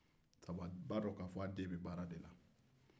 a b'a dɔn a den bɛ baara la